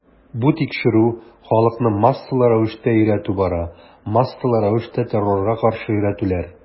Бу тикшерү, халыкны массалы рәвештә өйрәтү бара, массалы рәвештә террорга каршы өйрәтүләр.